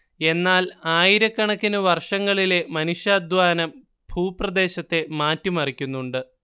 എന്നാൽ ആയിരക്കണക്കിനു വർഷങ്ങളിലെ മനുഷ്യാധ്വാനം ഭൂപ്രദേശത്തെ മാറ്റിമറിക്കുന്നുണ്ട്